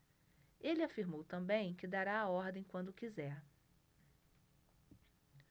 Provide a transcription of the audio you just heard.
ele afirmou também que dará a ordem quando quiser